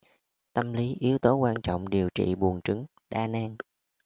tâm lý yếu tố quan trọng điều trị buồng trứng đa nang